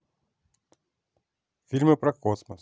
фильмы про космос